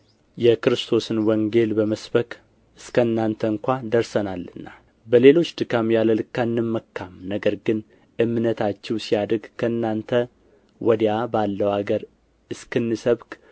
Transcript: የክርስቶስን ወንጌል በመስበክ እስከ እናንተ እንኳ ደርሰናልና በሌሎች ድካም ያለ ልክ አንመካም ነገር ግን እምነታችሁ ሲያድግ ከእናንተ ወዲያ ባለው አገር እስክንሰብክ